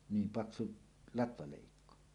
niin paksu latvaleikko